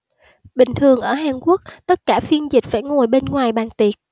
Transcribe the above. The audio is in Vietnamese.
bình thường ở hàn quốc tất cả phiên dịch phải ngồi bên ngoài bàn tiệc